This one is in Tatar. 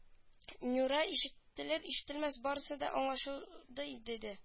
Нюра ишетелер-ишетелмәс барысы да аңлашылды диде